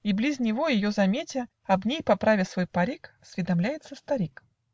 И, близ него ее заметя, Об ней, поправя свой парик, Осведомляется старик.